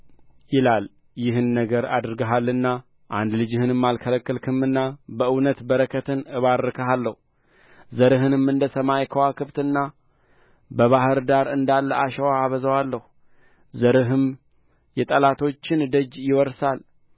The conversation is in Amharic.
ይላል ይህን ነገር አድርገሃልና አንድ ልጅህንም አልከለከልህምና በእውነት በረከትን እባርክሃለሁ ዘርህንም እንደ ሰማይ ከዋክብትና በባሕር ዳር እንዳለ አሸዋ አበዛዋለሁ ዘርህም የጠላቶችን ደጅ ይወርሳል